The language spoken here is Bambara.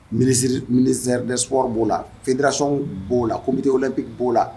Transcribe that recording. Miinstre, Ministère de Sports b'o federation b'ola la ko mini o la bɛ b'o la, commision olympique b'ola